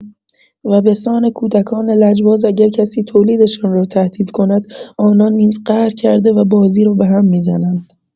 و بسان کودکان لجباز اگر کسی تولیدشان را تهدید کند آنان نیز قهر کرده و بازی را بهم می‌زنند.